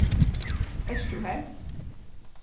ert tú har